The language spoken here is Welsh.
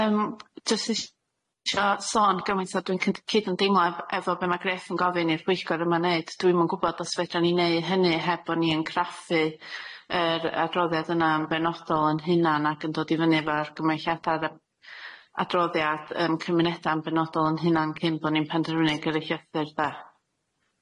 Yym jyst is- isio sôn gymaint a dwi'n cy- cyd yn deimlo ef- efo be' ma' Griff yn gofyn i'r pwyllgor yma neud dwi'm yn gwbod os fedran ni neu' hynny heb bo' ni yn craffu yr adroddiad yna yn benodol yn hunan ac yn dod i fyny efo argymelliad ar yy adroddiad yym cymuneda yn benodol yn hunan cyn bo' ni'n penderfynu gyrru llythyr de.